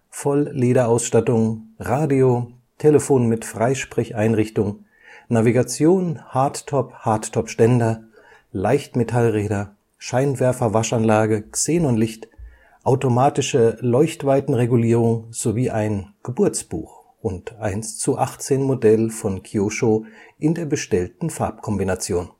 Volllederausstattung, Radio, Telefon mit Freisprecheinrichtung, Navigation, Hardtop, Hardtopständer, Leichtmetallräder, Scheinwerferwaschanlage, Xenonlicht, automatische Leuchtweitenregulierung sowie ein „ Geburtsbuch “und 1:18-Modell von Kyosho in der bestellten Farbkombination